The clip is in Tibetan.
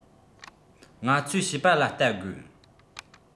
ང ཚོས བྱིས པ ལ བལྟ དགོས